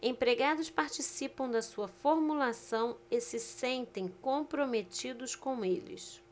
empregados participam da sua formulação e se sentem comprometidos com eles